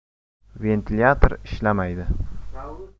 ventilyator ishlamaydi